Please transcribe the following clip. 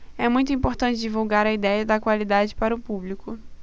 é muito importante divulgar a idéia da qualidade para o público